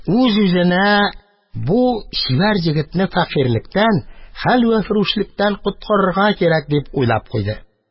Үз-үзенә: «Бу чибәр егетне фәкыйрьлектән, хәлвәфрүшлектән коткарырга кирәк», – дип уйлап куйды.